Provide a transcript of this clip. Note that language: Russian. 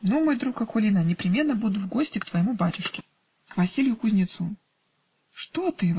-- "Ну, мой друг Акулина, непременно буду в гости к твоему батюшке, к Василью кузнецу". -- "Что ты?